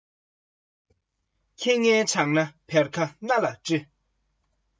ཁྱི ངན བྱང ན བེར ཀ སྣ ལ བཀྲི